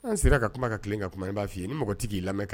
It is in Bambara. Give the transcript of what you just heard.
An sera ka kuma ka ka kuma b'a fɔ ye ni mɔgɔtigi k'i lamɛn kan